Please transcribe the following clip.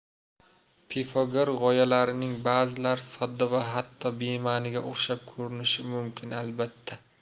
pifagor g'oyalarining ba'zilari sodda va hatto bema'niga o'xshab ko'rinishi mumkin albatta